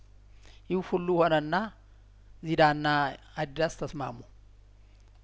ይህ ሁሉ ሆነና ዚዳና አዲዳስ ተስማሙ